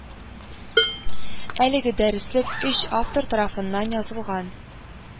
Әлеге дәреслек өч автор тарафыннан язылган